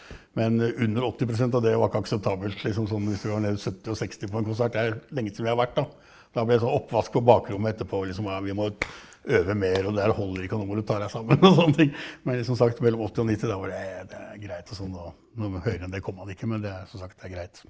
men under 80% da, det var ikke akseptabelt liksom sånn hvis vi var nede i 70 og 60 på en konsert, det er lenge siden vi har vært da da ble det sånn oppvask på bakrommet etterpå liksom nei vi må øve mer og det her holder ikke og nå må du ta deg sammen og sånne ting , men som sagt, mellom 80 og nitti, da var det det er greit og sånn og noe høyere enn det kommer man ikke, men det er som sagt det er greit.